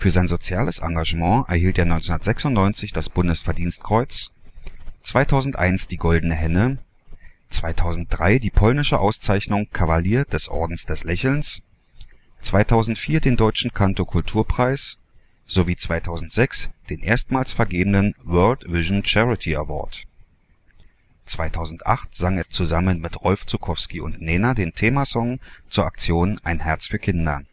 sein soziales Engagement erhielt er 1996 das Bundesverdienstkreuz, 2001 die Goldene Henne, 2003 die polnische Auszeichnung Kavalier des Ordens des Lächelns, 2004 den Deutschen Canto Kulturpreis sowie 2006 den erstmals vergebenen World Vision Charity Award. 2008 sang er zusammen mit Rolf Zuckowski und Nena den Themasong zur Aktion Ein Herz für Kinder